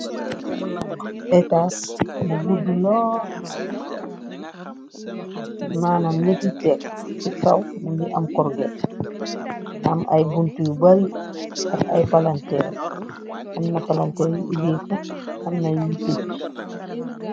Etaas bu guddu lool, maanam ñeti dekk, ci kaw mungi am korget, am ay buntu yu bari ak ay palanteer, am na palanteer yu ibéeko am na yuñ tecc.